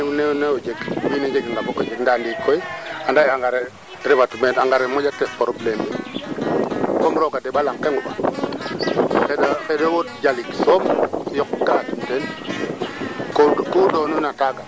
mbaan o yipa ngiran engrais fiyan kirang kaate fiyan onga fok te jeg jafe jafe mute refna xaye kay dimle ir no neew doole in engrais kaaga soom refu ke ando naye tana malu